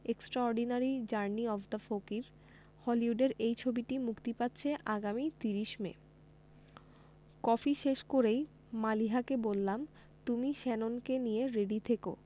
extraordinary journey of the Fakir হলিউডের এই ছবিটি মুক্তি পাচ্ছে আগামী ৩০ মে কফি শেষ করেই মালিহাকে বললাম তুমি শ্যাননকে নিয়ে রেডি থেকো